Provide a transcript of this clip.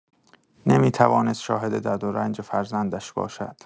نمی‌توانست شاهد درد و رنج فرزندش باشد.